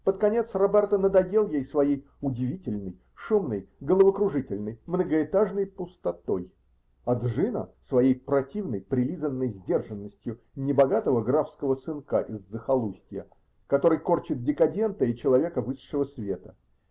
Под конец Роберто надоел ей своей удивительной, шумной, головокружительной, многоэтажной пустотой, а Джино своей противной, прилизанной сдержанностью небогатого графского сынка из захолустья, который корчит декадента и человека высшего света.